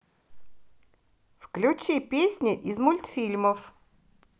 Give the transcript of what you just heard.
включи песни из мультфильмов